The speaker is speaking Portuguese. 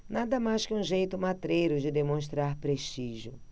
nada mais que um jeito matreiro de demonstrar prestígio